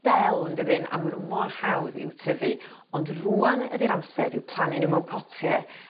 del yndydyn a ma' n'w mor hawdd i'w tyfu ond rŵan ydi'r amser i'w plannu n'w mewn potie